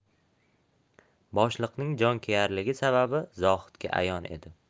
boshliqning jonkuyarligi sababi zohidga ayon edi